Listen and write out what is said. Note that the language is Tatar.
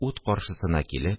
Ут каршысына килеп,